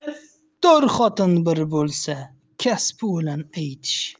to'rt xotin bir bo'lsa kasbi o'lan aytish